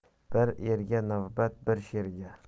bir erga navbat bir sherga